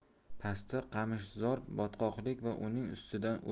pastda qamishzor botqoqlik va uning ustidan